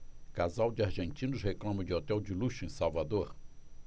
casal de argentinos reclama de hotel de luxo em salvador